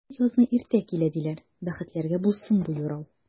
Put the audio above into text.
Быел язны иртә килә, диләр, бәхетләргә булсын бу юрау!